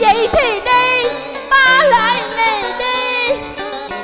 vậy thì đi ba lạy này đi